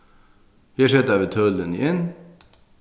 her seta vit tølini inn